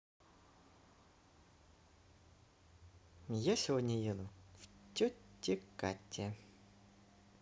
я еду сегодня в тете кате